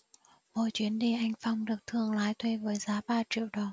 mỗi chuyến đi anh phong được thương lái thuê với giá ba triệu đồng